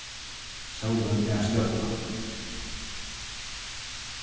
sólin er ein stjørna